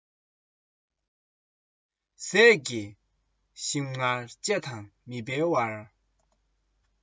ཟས ཀྱི ཞིམ མངར ལྕེ ནས མིད པའི བར